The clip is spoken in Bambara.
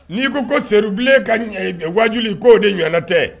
N'i ko seribilen ka wajuli k'o de ɲɔgɔnana tɛ